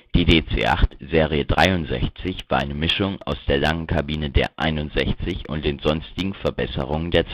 DC-8 Serie 63 war eine Mischung aus der langen Kabine der -61 und den sonstigen Verbesserungen der